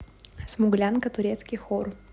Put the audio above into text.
смуглянка турецкий хор